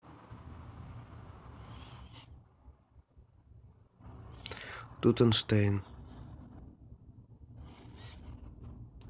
тутенштейн